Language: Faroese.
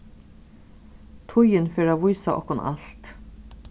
tíðin fer at vísa okkum alt